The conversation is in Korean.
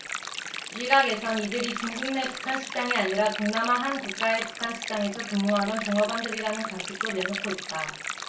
일각에선 이들이 중국내 북한 식당이 아니라 동남아 한 국가의 북한 식당에서 근무하던 종업원들이라는 관측도 내놓고 있다